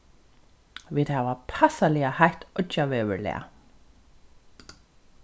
vit hava passaliga heitt oyggjaveðurlag